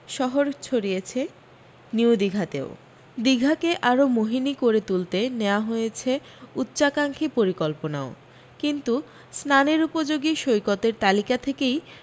শহর ছড়িয়েছে নিউ দিঘাতেও দিঘাকে আরও মোহিনী করে তুলতে নেওয়া হচ্ছে উচ্চাকাঙ্ক্ষী পরিকল্পনাও কিন্তু স্নানের উপযোগী সৈকতের তালিকা থেকেই